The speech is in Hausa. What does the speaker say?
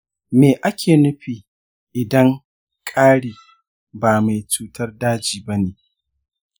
me ake nufi idan ƙari ba mai cutar daji ba ne?